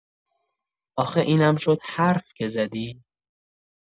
آخه اینم شد حرف که زدی؟!